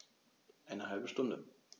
Eine halbe Stunde